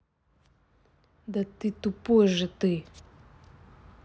да ты тупой же ты